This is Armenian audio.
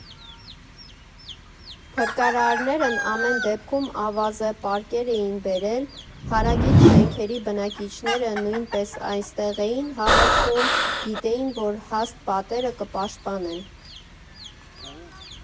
Փրկարարներն ամեն դեպքում ավազե պարկեր էին բերել, հարակից շենքերի բնակիչները նույնպես այստեղ էին հավաքվում, գիտեին, որ հաստ պատերը կպաշտպանեն։